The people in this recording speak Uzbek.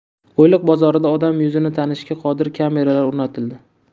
qo'yliq bozorida odam yuzini tanishga qodir kameralar o'rnatildi